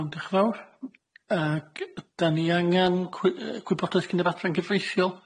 Iawn dioch fawr ag ydyn ni angan cwy- yy gwybodaeth cyn y adran cyfreithiol?